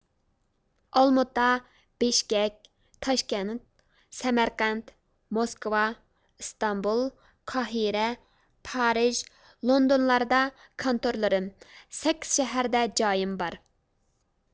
ئالمۇتا بېشكەك تاشكەنت سەمەرقەنت موسكۋا ئىستانبۇل قاھىرە پارىژ لوندونلاردا كانتورلىرىم سەككىز شەھەردە جايىم بار